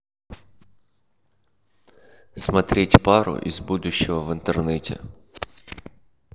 смотреть пару из будущего в интернете